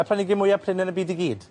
Y planhigion mwya prin yn y byd i gyd?